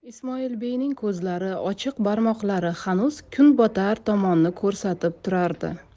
ismoilbeyning ko'zlari ochiq barmoqlari hanuz kunbotar tomonni ko'rsatib turardi